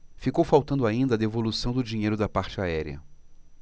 ficou faltando ainda a devolução do dinheiro da parte aérea